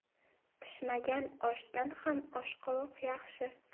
pishmagan oshdan xom oshqovoq yaxshi